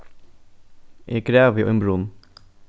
eg gravi ein brunn